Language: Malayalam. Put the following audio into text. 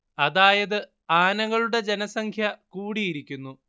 അതായത് ആനകളുടെ ജനസംഖ്യ കൂടിയിരിക്കുന്നു